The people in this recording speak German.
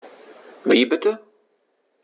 Wie bitte?